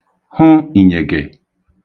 hụ ìnyègè